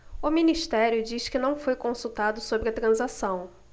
o ministério diz que não foi consultado sobre a transação